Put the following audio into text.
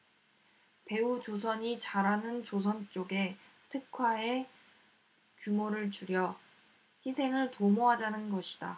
대우조선이 잘하는 조선 쪽에 특화해 규모를 줄여 회생을 도모하자는 것이다